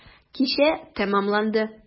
Кичә тәмамланды.